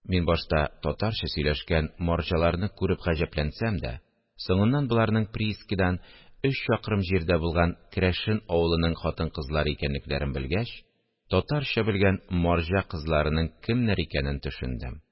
Мин башта татарча сөйләшкән «марҗалар»ны күреп гаҗәпләнсәм дә, соңыннан боларның приискадан өч чакрым җирдә булган керәшен авылының хатын-кызлары икәнлекләрен белгәч, «татарча белгән марҗа кызларының» кемнәр икәнен төшендем